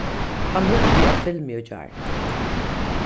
hann hugdi at filmi í gjár